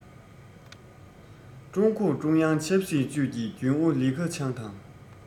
ཀྲུང གུང ཀྲུང དབྱང ཆབ སྲིད ཅུས ཀྱི རྒྱུན ཨུ ལི ཁེ ཆང དང